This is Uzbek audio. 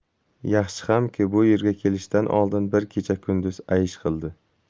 yaxshi hamki bu yerga kelishidan oldin bir kecha kunduz aysh qildi